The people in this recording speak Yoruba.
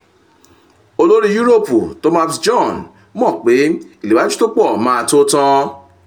Olórí yúròpù Thomas Bjorn mọ̀ pé ìléwájú tó pọ̀ má tó tán.